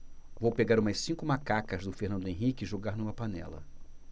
vou pegar umas cinco macacas do fernando henrique e jogar numa panela